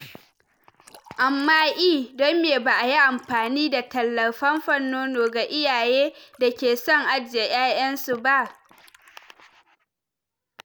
amma eh don me ba’ayi amfani da tallar famfon nono ga iyaye da ke son ajiya yayan su ba?”